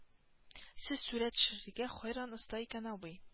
Сез сурәт төшерергә хәйран оста икән абый